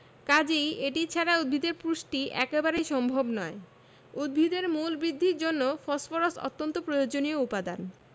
কাজেই এটি ছাড়া উদ্ভিদের পুষ্টি একেবারেই সম্ভব নয় উদ্ভিদের মূল বৃদ্ধির জন্য ফসফরাস অত্যন্ত প্রয়োজনীয় উপাদান